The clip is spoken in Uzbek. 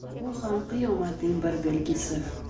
bu ham qiyomatning bir belgisi